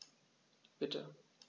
Bitte.